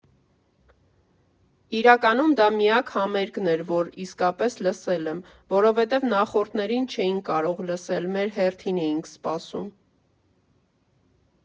Իրականում դա միակ համերգն էր, որ իսկապես լսել եմ, որովհետև նախորդներին չէինք կարող լսել՝ մեր հերթին էինք սպասում։